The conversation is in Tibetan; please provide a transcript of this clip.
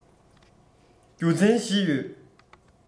རྒྱུ མཚན བཞི ཡོད